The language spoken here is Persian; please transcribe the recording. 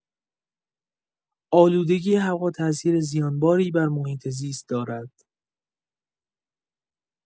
آلودگی هوا تاثیر زیانباری بر محیط‌زیست دارد.